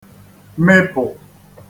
mịpụ̀